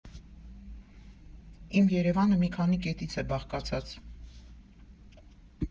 Իմ Երևանը մի քանի կետից է բաղկացած։